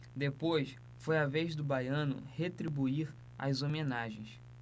depois foi a vez do baiano retribuir as homenagens